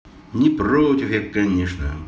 не против я конечно